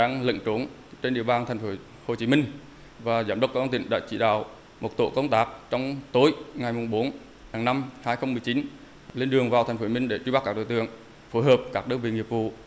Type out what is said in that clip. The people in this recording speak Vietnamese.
đang lẩn trốn trên địa bàn thành phố hồ chí minh và giám đốc công an tỉnh đã chỉ đạo một tổ công tác trong tối ngày mùng bốn tháng năm hai không mười chín lên đường vào thành phố hồ chí minh để truy bắt các đối tượng phối hợp các đơn vị nghiệp vụ